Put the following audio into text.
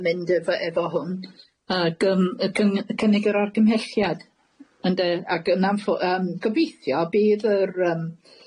yn mynd efo efo hwn ag yym y cyng- cynnig yr argymhelliad ynde ag yn anffo- yym gobeithio bydd yr yym